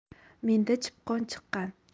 menda chipqon chiqqan